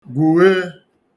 gwùghe